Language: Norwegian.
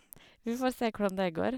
Vi får se hvordan det går.